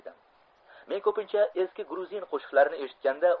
men ko'pincha eski gruzin ko'shiqlarini eshitganda